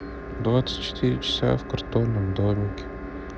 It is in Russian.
двадцать четыре часа в картонном домике